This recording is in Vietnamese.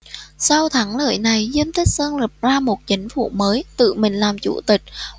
sau thắng lợi này diêm tích sơn lập ra một chính phủ mới tư mình làm chủ tịch